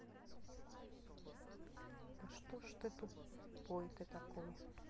да что ж ты тупой ты такой